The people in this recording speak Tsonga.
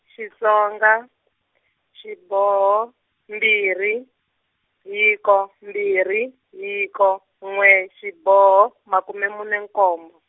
Xitsonga, xiboho, mbirhi, hiko mbirhi hiko n'we xiboho, makume mune nkombo.